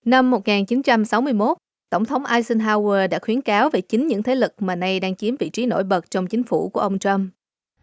năm một ngàn chín trăm sáu mươi mốt tổng thống ai sưn hao gua đã khuyến cáo vì chính những thế lực mà nay đang chiếm vị trí nổi bật trong chính phủ của ông trăm